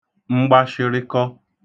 mgbashịrịkọ